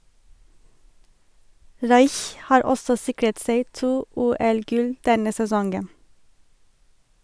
Raich har også sikret seg to OL-gull denne sesongen.